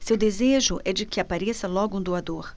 seu desejo é de que apareça logo um doador